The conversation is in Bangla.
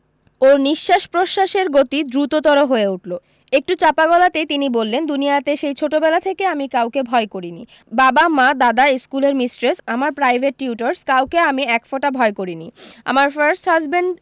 ওর নিশ্বাস প্রশ্বাসের গতি দ্রুততর হয়ে উঠলো একটু চাপা গলাতেই তিনি বললেন দুনিয়াতে সেই ছোটবেলা থেকে আমি কাউকে ভয় করি নি বাবা মা দাদা ইসকুলের মিস্ট্রেস আমার প্রাইভেট টিউটরেস কাউকে আমি একফোঁটা ভয় করিনি আমার ফার্স্ট হাজবেণ্ড